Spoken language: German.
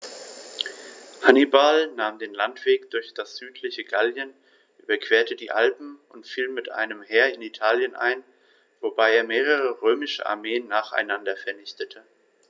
Hannibal nahm den Landweg durch das südliche Gallien, überquerte die Alpen und fiel mit einem Heer in Italien ein, wobei er mehrere römische Armeen nacheinander vernichtete.